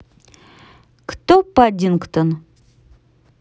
кто паддингтон